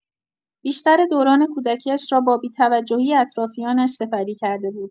بیشتر دوران کودکی‌اش را با بی‌توجهی اطرافیانش سپری کرده بود.